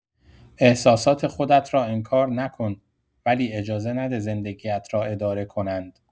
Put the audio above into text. احساسات خودت را انکار نکن ولی اجازه نده زندگی‌ات را اداره کنند.